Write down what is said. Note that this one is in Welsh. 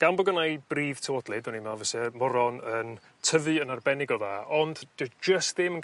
gan bo' gynna i bridd tywodlyd o'n i'n me'wl fyse moron yn tyfu yn arbennig o dda ond dwi jyst ddim